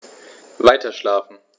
Weiterschlafen.